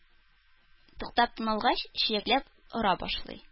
Туктап тын алгач, чиләкләп ора башлый